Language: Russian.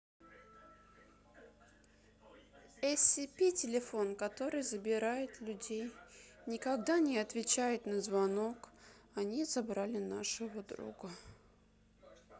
scp телефон который забирает людей никогда не отвечают на звонок они забрали нашего друга